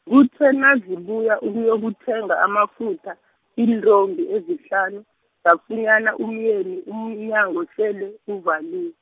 kuthe nazibuya ukuyokuthenga amafutha, iintombi ezihlanu, zafunyana umyeni umnyango sele, uvaliw-.